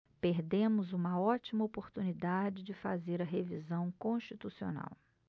perdemos uma ótima oportunidade de fazer a revisão constitucional